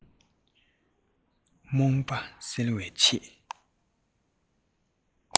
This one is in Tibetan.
རྨོངས པ སེལ བའི ཆེད